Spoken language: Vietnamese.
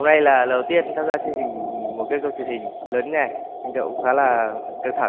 nay là đầu tiên tham gia truyền hình một ghêm sâu truyền hình lớn như này nên cháu cũng khá là căng thẳng